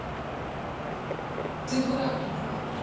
ты дурак тупой